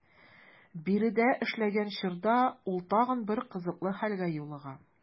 Биредә эшләгән чорда ул тагын бер кызыклы хәлгә юлыга.